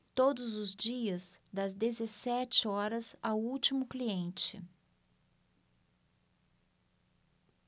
todos os dias das dezessete horas ao último cliente